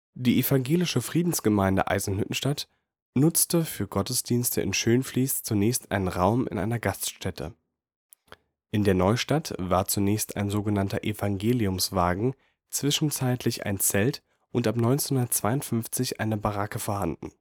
Die evangelische Friedensgemeinde Eisenhüttenstadt nutzte für Gottesdienste in Schönfließ zunächst einen Raum in einer Gaststätte. In der Neustadt war zunächst ein sogenannter Evangeliumswagen, zwischenzeitlich ein Zelt und ab 1952 eine Baracke vorhanden